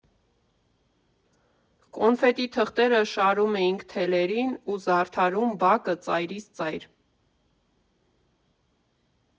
Կոնֆետի թղթերը շարում էինք թելերին ու զարդարում բակը ծայրից ծայր։